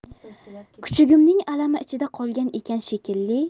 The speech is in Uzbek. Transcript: kuchugimning alami ichida qolgan ekan shekilli